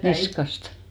niskasta